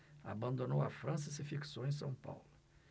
abandonou a frança e se fixou em são paulo